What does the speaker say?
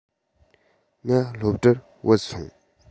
ང སློབ གྲྭར བུད སོང